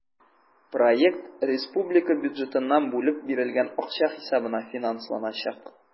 Проект республика бюджетыннан бүлеп бирелгән акча хисабына финансланачак.